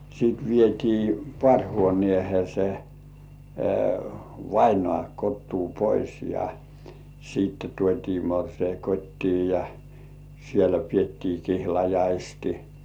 sitten vietiin paarihuoneeseen se vainaja kotoa pois ja sitten tuotiin morsian kotiin ja siellä pidettiin kihlajaiset